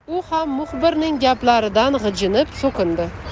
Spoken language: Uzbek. u ham muxbirning gaplaridan g'ijinib so'kindi